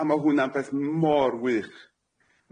A ma' hwnna'n beth mor wych.